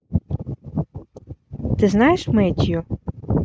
ты знаешь matthew